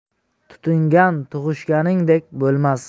tutingan tug'ishgandek bo'lmas